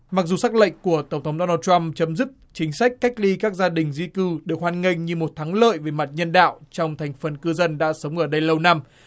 mặc dù sắc lệnh của tổng thống đo nồ trăm chấm dứt chính sách cách ly các gia đình di cư được hoan nghênh như một thắng lợi về mặt nhân đạo trong thành phần cư dân đã sống ở đây lâu năm